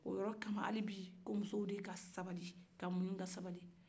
o yɔrɔ kama ko musow de ka sabali ka muɲu ka sabali